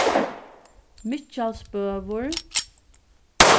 mikkjalsbøur